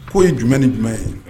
'o ye jumɛn ni jumɛn ye